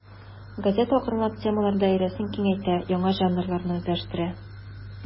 Газета акрынлап темалар даирәсен киңәйтә, яңа жанрларны үзләштерә.